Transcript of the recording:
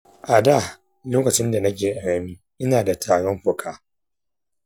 a da lokacin da nake ƙarami ina da tarin fuka.